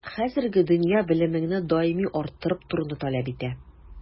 Хәзерге дөнья белемеңне даими арттырып торуны таләп итә.